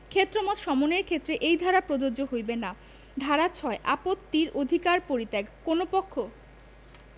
ক্ষেত্রমত সমনের ক্ষেত্রে এই ধারা প্রযোজ্য হইবে না ধারা ৬ আপত্তির অধিকার পরিত্যাগঃ কোন পক্ষ